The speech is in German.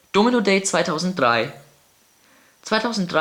Domino Day 2003 2003